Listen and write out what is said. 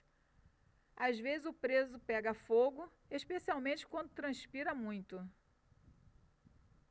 às vezes o preso pega fogo especialmente quando transpira muito